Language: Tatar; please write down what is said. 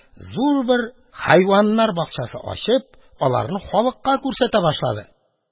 Зур бер хайваннар бакчасы ачып, аларны халыкка күрсәтә башлады.